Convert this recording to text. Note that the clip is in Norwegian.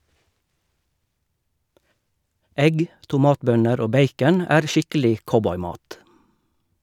Egg, tomatbønner og bacon er skikkelig cowboymat.